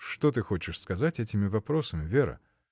— Что ты хочешь сказать этими вопросами, Вера?